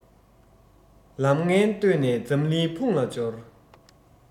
ལམ ངན བཏོད ནས འཛམ གླིང འཕུང ལ སྦྱོར